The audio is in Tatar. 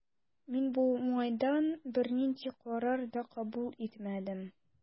Мин бу уңайдан бернинди карар да кабул итмәдем.